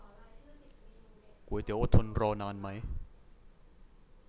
ก๋วยเตี๋ยวอดทนรอนานไหม